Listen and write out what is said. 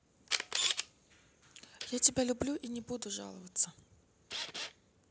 я тебя люблю и не буду жаловаться